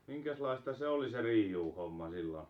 minkäslaista se oli se riiuuhomma silloin